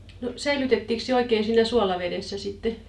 no säilytettiinkös se oikein siinä suolavedessä sitten